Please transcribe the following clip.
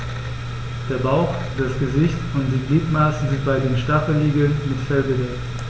Der Bauch, das Gesicht und die Gliedmaßen sind bei den Stacheligeln mit Fell bedeckt.